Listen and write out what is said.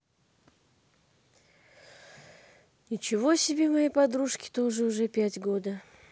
ничего себе моей подружки тоже уже пять года